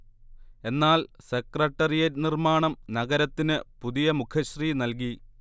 എന്നാൽ സെക്രട്ടേറിയറ്റ് നിര്മ്മാണം നഗരത്തിന് പുതിയ മുഖശ്രീ നല്കി